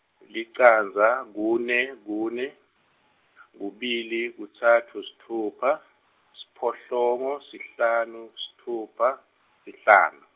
licandza, kune, kune , kubili, kutsatfu, sitfupha, siphohlongo, sihlanu, sitfupha, sihlanu.